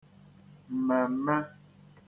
m̀mèm̀me